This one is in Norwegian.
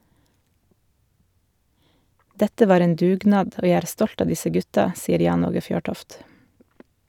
Dette var en dugnad, og jeg er stolt av disse gutta, sier Jan Åge Fjørtoft.